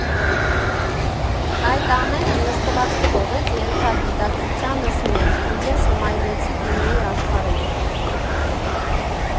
Այդ ամենը նստվածք թողեց ենթագիտակցությանս մեջ, ու ես հմայվեցի կինոյի աշխարհով։